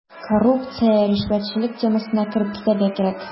Коррупция, ришвәтчелек темасына кереп китәргә кирәк.